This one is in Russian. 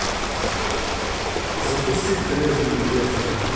запусти трезвым ежик